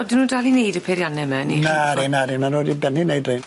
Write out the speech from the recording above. Odyn nw'n dal i neud y peirianne 'ma neu chi'n goffod... Nadi nadi ma' n'w 'di bennu neud rhein.